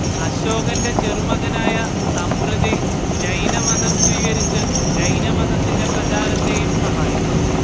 അശോകന്റെ ചെറുമകനായ സമ്പ്രതി ജൈനമതം സ്വീകരിച്ച് ജൈനമതത്തിന്റെ പ്രചാരത്തേയും സഹായിച്ചു